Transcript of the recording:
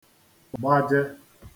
-gbajē